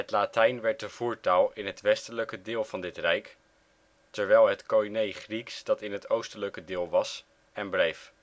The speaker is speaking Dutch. Latijn werd de voertaal in het westelijke deel van dit rijk (terwijl het Koinè-Grieks dat in het oostelijke deel was en bleef